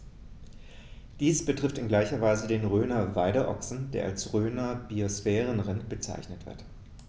Dies betrifft in gleicher Weise den Rhöner Weideochsen, der auch als Rhöner Biosphärenrind bezeichnet wird.